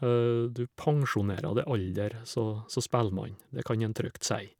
Du pensjonerer deg aldri så som spellmann, det kan en trygt si.